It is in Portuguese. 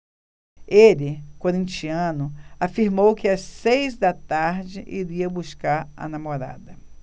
ele corintiano afirmou que às seis da tarde iria buscar a namorada